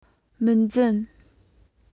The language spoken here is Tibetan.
མི འཚམས